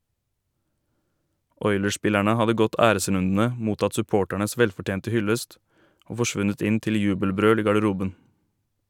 Oilers-spillerne hadde gått æresrundene, mottatt supporternes velfortjente hyllest og forsvunnet inn til jubelbrøl i garderoben.